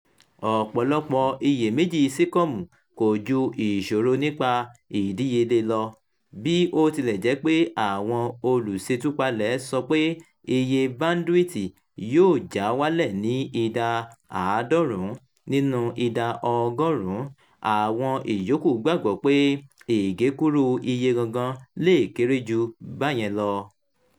Ọ̀pọ̀lọpọ̀ iyèméjì Seacom kò ju ìṣòro nípa ìdíyelé lọ: bí ó tilẹ̀ jẹ́ pé àwọn olùṣètúpalẹ̀ sọ pé iye báńdíwìtì yóò já wálẹ̀ ní ìdá 90 nínú ìdá ọgọ́rùn-ún, àwọn ìyókù gbàgbọ́ pé ìgékúrú iye gangan le kéré jù bá yẹn lọ.